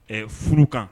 Ɛɛ furu kan